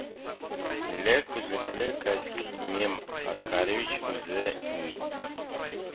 Ле, күзлекле каськ мееме оскарович үзе ни